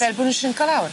Fel bo' nw'n shrinco lawr?